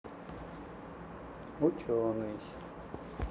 ученый